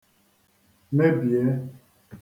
mebìe